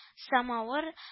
Самавыр